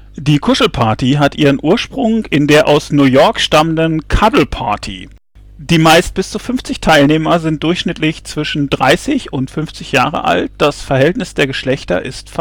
Die Kuschelparty hat ihren Ursprung in der aus New York stammenden " Cuddle Party ". Die meist bis zu fünfzig Teilnehmer sind durchschnittlich zwischen dreißig und fünfzig Jahre alt, das Verhältnis der Geschlechter ist